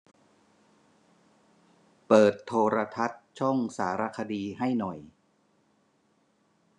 เปิดโทรทัศน์ช่องสารคดีให้หน่อย